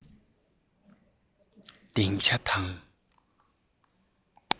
གདེང ཆ དང